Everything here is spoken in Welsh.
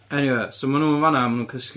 Eniwe, so maen nhw yn fan'na, maen nhw'n cysgu.